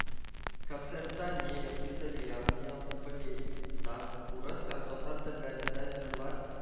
Концертта немец, италиан, нео палитан, урыс һәм татар телләрендә җырлар